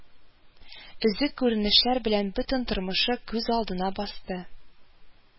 Өзек күренешләр белән бөтен тормышы күз алдына басты